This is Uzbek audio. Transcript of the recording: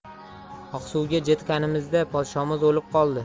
oqsuvga jetganimizda podshomiz o'lib qoldi